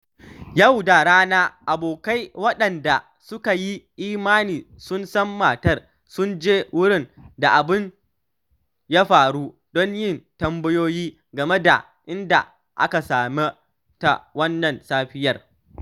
Yau da rana abokai waɗanda suka yi imani sun san matar sun je wurin da abin ya faru don yin tambayoyi game da inda aka same ta wannan safiyar.